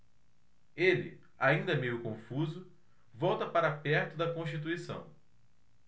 ele ainda meio confuso volta para perto de constituição